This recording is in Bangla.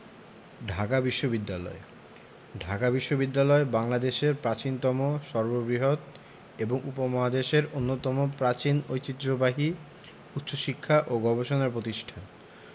ঢাকা বিশ্ববিদ্যালয় ঢাকা বিশ্ববিদ্যালয় বাংলাদেশের প্রাচীনতম সর্ববৃহৎ এবং উপমহাদেশের অন্যতম প্রাচীন ঐতিহ্যবাহী উচ্চশিক্ষা ও গবেষণা প্রতিষ্ঠান